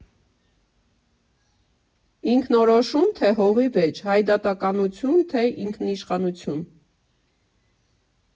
Ինքնորոշո՞ւմ, թե՞ հողի վեճ, հայդատականություն, թե՞ ինքնիշխանություն։